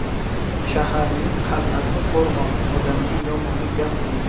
shaharning qa'lasi qo'rg'on odamning yomoni gap urgan